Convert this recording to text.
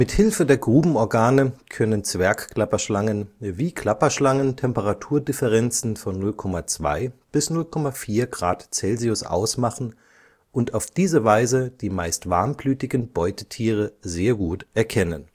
Hilfe der Grubenorgane können Zwergklapperschlangen wie Klapperschlangen Temperaturdifferenzen von 0,2 bis 0,4 °C ausmachen und auf diese Weise die meist warmblütigen Beutetiere sehr gut erkennen